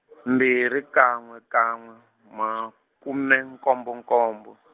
mbirhi kanwe kanwe, makume nkombo nkombo.